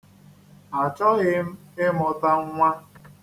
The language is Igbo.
Achọghị m ịmụta nnwa.